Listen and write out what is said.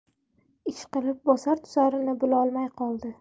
ishqilib bosar tusarini bilolmay qoldi